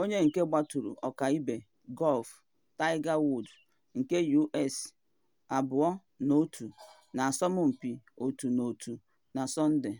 onye nke gbaturu ọkaibe gọlfụ Tiger Woods nke US 2na1 n’asọmpi otu na otu na Sọnde.